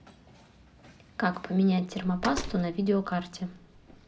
как поменять термопасту на видеокарте